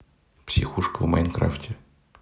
психушка в майнкрафте